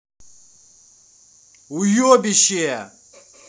уебище